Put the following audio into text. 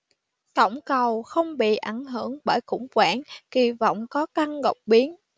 tổng cầu không bị ảnh hưởng bởi khủng hoảng kỳ vọng có tăng đột biến